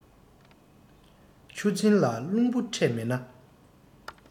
ཆུ འཛིན ལ རླུང བུ འཕྲད མེད ན